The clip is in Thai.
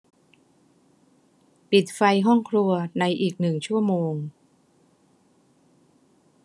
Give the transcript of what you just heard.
ปิดไฟห้องครัวในอีกหนึ่งชั่วโมง